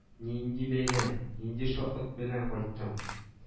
Нинди бәйрәм, нинди шатлык белән кайттың